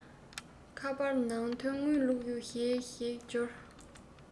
ཁ པར ནང དོན དངུལ བླུག ཡོད ཞེས པ ཞིག འབྱོར